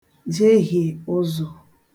jehiè ụzọ̀